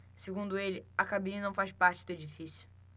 segundo ele a cabine não faz parte do edifício